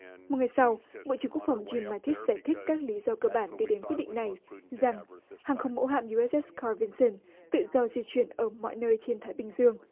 một ngày sau bộ trưởng quốc phòng gim mát tít sẽ thích các lý do cơ bản đi đến quyết định này rằng hàng không mẫu hạm u ét ét ca vin xơn tự do di chuyển ở mọi nơi trên thái bình dương